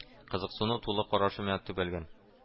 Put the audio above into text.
Кызыксыну тулы карашы миңа төбәлгән